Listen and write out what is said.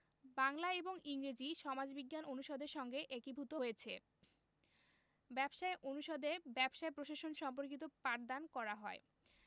বাংলা এবং ইংরেজি সমাজবিজ্ঞান অনুষদের সঙ্গে একীভূত হয়েছে ব্যবসায় অনুষদে ব্যবসায় প্রশাসন সম্পর্কিত পাঠদান করা হয়